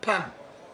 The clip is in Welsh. Pam?